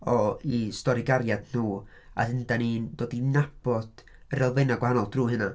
O eu stori gariad nhw a wedyn dan ni'n dod i nabod yr elfennau gwahanol drwy hynna.